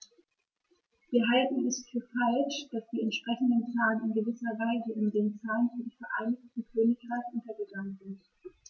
Wir halten es für falsch, dass die entsprechenden Zahlen in gewisser Weise in den Zahlen für das Vereinigte Königreich untergegangen sind.